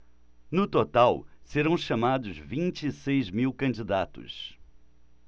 no total serão chamados vinte e seis mil candidatos